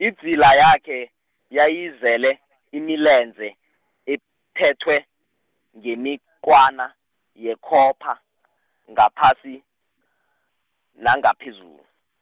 idzila yakhe, yayizele , imilenze iphethwe, ngemiqwana, yekhopha , ngaphasi, nangaphezulu.